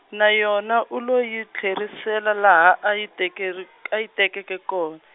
na yona u lo yi tlherisela laha a yi tekeri- a yi tekeke kona.